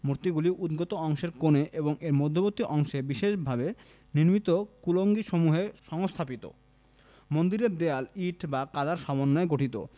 মূর্তিগুলি উদ্গত অংশের কোণে এবং এর মধ্যবর্তী অংশে বিশেষভাবে নির্মিত কুলুঙ্গিসমূহে সংসহাপিত মন্দিরের দেয়াল ইট ও কাদার সমন্বয়ে গঠিত